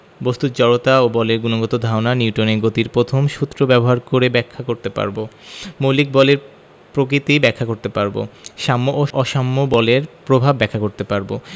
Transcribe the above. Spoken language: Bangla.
বস্তুর জড়তা ও বলের গুণগত ধারণা নিউটনের গতির প্রথম সূত্র ব্যবহার করে ব্যাখ্যা করতে পারব মৌলিক বলের প্রকৃতি ব্যাখ্যা করতে পারব সাম্য ও অসাম্য বলের প্রভাব ব্যাখ্যা করতে পারব